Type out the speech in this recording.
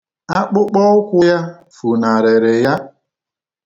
Akpụkpọ ụkwụ ya funarịrị ya